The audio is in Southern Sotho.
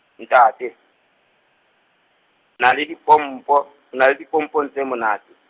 ntate, o na le dipompo, o na le dipompong tse monate.